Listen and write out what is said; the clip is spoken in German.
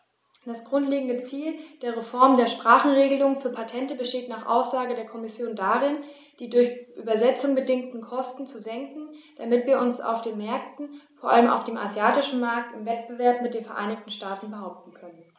Das grundlegende Ziel der Reform der Sprachenregelung für Patente besteht nach Aussage der Kommission darin, die durch Übersetzungen bedingten Kosten zu senken, damit wir uns auf den Märkten, vor allem auf dem asiatischen Markt, im Wettbewerb mit den Vereinigten Staaten behaupten können.